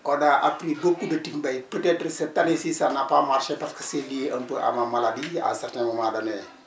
on a appris beaucoup de Ticmbay peut être cette année ci àa n' a pas marché parce que c' est lié un peu à ma maladie à un cerain moment donné